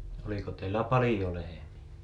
oliko teillä paljon lehmiä